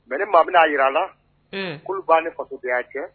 Mɛ ni maa bɛna'a jira a la' b' ne faso de y'a cɛ